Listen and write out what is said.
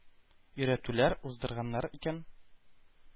Өйрәтүләр уздырганнар икән